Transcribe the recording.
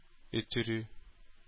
Өтерү